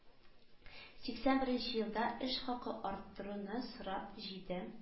Сиксән беренче елда, эш хакы арттыруны сорап, җиде